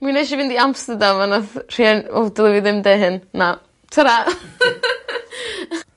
mi wnes i fynd i Amsterdam a nath rhien- o dylwn i ddim deu hyn. Na. Tara.